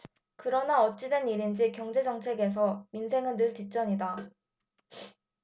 그러나 어찌된 일인지 경제정책에서 민생은 늘 뒷전이다